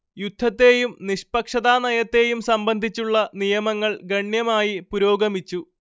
യുദ്ധത്തെയും നിഷ്പക്ഷതാനയത്തെയും സംബന്ധിച്ചുള്ള നിയമങ്ങൾ ഗണ്യമായി പുരോഗമിച്ചു